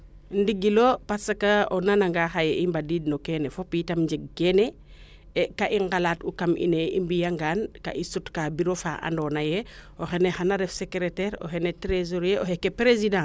ndigilo parce que o nana nga xaye i mbadiin no keene fop tam njeg keene e kaa i ngalaat u kam ine i mbiya ngaan ka i sut kaa bureau fa ando naye o xene xana ref secretaire o xene tresorier o xeeke president